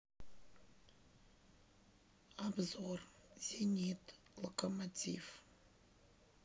обзор зенит локомотив